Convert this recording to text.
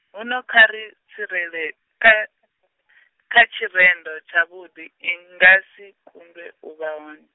hu no kha ri tsirele, kha , kha tshirendo tshavhuḓi i nga si kundwe u vha hone.